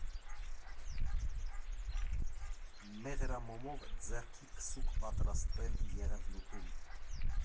Մեղրամոմով ձեռքի քսուկ պատրաստել Եղևնուտում։